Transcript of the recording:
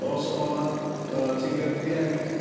Oes 'na... oedd 'na oedd 'na teigar 'di dianc?